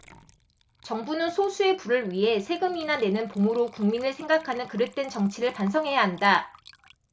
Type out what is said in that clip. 정부는 소수의 부를 위해 세금이나 내는 봉으로 국민을 생각하는 그릇된 정치를 반성해야 한다